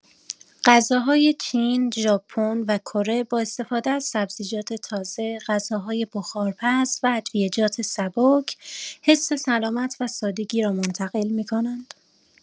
غذاهای چین، ژاپن و کره با استفاده از سبزیجات تازه، غذاهای بخارپز و ادویه‌جات سبک، حس سلامت و سادگی را منتقل می‌کنند.